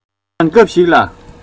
དེ ཡང སྐབས ཤིག ལ